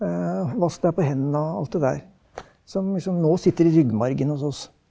vask deg på henda og alt det der, som liksom nå sitter i ryggmargen hos oss.